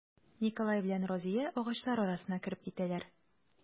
Николай белән Разия агачлар арасына кереп китәләр.